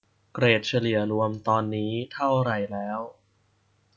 เกรดเฉลี่ยรวมตอนนี้เท่าไหร่แล้ว